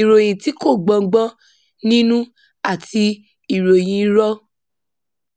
ìròyìn tí kò ní gbọ́ngbọ́n nínú àti ìròyìn irọ́.